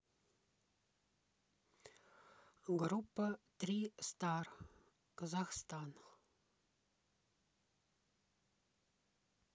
группа тристар казахстан